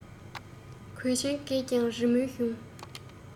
གོས ཆེན རྒས ཀྱང རི མོའི གཞུང